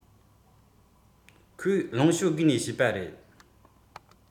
ཁོའི རླུང ཤོ རྒས ནས བྱས པ རེད